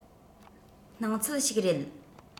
སྣང ཚུལ ཞིག རེད